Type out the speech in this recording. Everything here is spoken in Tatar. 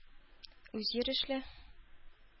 Үзйөрешле